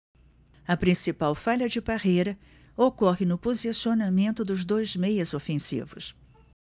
a principal falha de parreira ocorre no posicionamento dos dois meias ofensivos